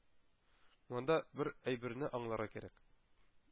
Монда бер әйберне аңларга кирәк: